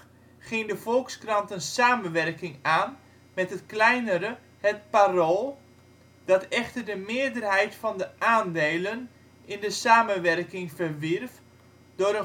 ging de Volkskrant een samenwerking aan met het kleinere Het Parool (dat echter de meerderheid van de aandelen in de samenwerking verwierf door